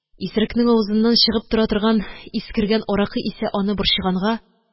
Исерекнең авызыннан чыгып тора торган искергән аракы исе аны борчыганга